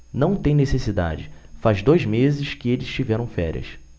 não tem necessidade faz dois meses que eles tiveram férias